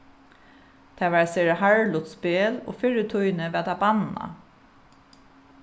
tað var eitt sera harðligt spæl og fyrr í tíðini varð tað bannað